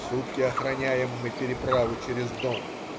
Сутки охраняем мы переправу через Дон.